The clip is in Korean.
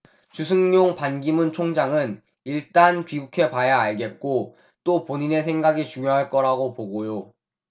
주승용 반기문 총장은 일단 귀국해 봐야 알겠고 또 본인의 생각이 중요할 거라고 보고요